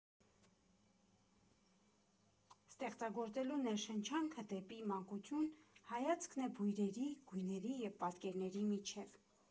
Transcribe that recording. Ստեղծագործելու ներշնչանքը դեպի մանկություն հայացքն է՝ բույրերի, գույների ու պատկերների միջև։